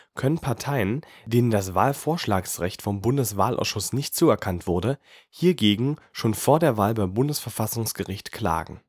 können Parteien, denen das Wahlvorschlagsrecht vom Bundeswahlausschuss nicht zuerkannt wurde, hiergegen schon vor der Wahl beim Bundesverfassungsgericht klagen